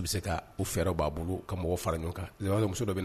I bi se ka . O fɛɛrɛ ba bolo ka mɔgɔw fara ɲɔgɔn kan . Awɔ muso